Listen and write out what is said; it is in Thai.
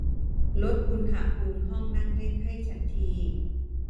ลดอุณหภูมิห้องนั่งเล่นให้ฉันที